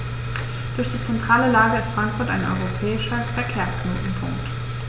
Durch die zentrale Lage ist Frankfurt ein europäischer Verkehrsknotenpunkt.